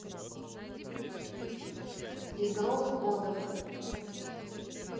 игрок кодов